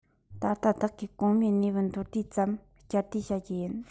ད ལྟ བདག གིས གོང སྨྲས གནས བབ མདོར བསྡུས ཙམ སྐྱར ཟློས བྱ རྒྱུ ཡིན